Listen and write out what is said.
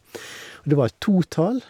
Og det var et totall.